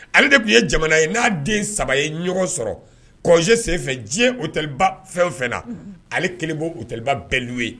Ale de tun ye jamana ye n'a den saba ye ɲɔgɔn sɔrɔ kɔ sen diɲɛ oliba fɛn fɛn na ale kelenbɔ utliba bɛɛlu ye